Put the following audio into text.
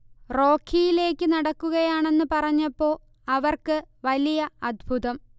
റോഘിയിലേക്ക് നടക്കുകയാണെന്ന് പറഞ്ഞപ്പോ അവർക്ക് വലിയ അത്ഭുതം